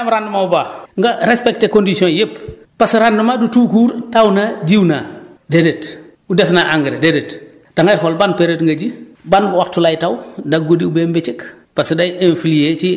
première année bi da ngay am rendement bu baax nga respecté conditions yëpp parce que rendement du tout court taw na jiw naa déedéet ou def naa engrais déedéet da ngay xool ban période nga ji ban waxtu lay taw ndax guddi oubien bëccëg parce que day influé ci